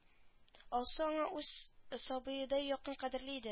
Алсу аңа үз сабыедай якын кадерле иде